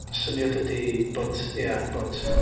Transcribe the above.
Y syniad ydy bod ia bod...